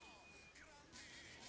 прожарка азамат мусагалиев